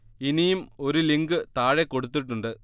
ഇനിയും ഒരു ലിങ്ക് താഴെ കൊടുത്തിട്ടുണ്ട്